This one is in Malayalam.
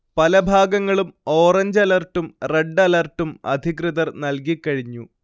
പലഭാഗങ്ങളും ഓറഞ്ച് അലർട്ടും, റെഡ് അലർട്ടും അധികൃതർ നല്കികഴിഞ്ഞു